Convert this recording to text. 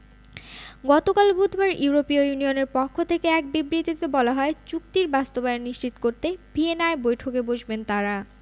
গতকাল বুধবার ইউরোপীয় ইউনিয়নের পক্ষ থেকে এক বিবৃতিতে বলা হয় চুক্তির বাস্তবায়ন নিশ্চিত করতে ভিয়েনায় বৈঠকে বসবেন তাঁরা